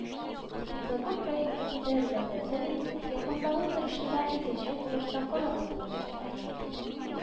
Закон проектын ТР Дәүләт Советының якындагы утырышында икенче укылышта карарга планлаштыралар